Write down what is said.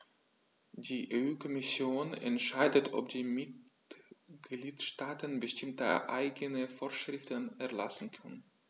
Die EU-Kommission entscheidet, ob die Mitgliedstaaten bestimmte eigene Vorschriften erlassen können.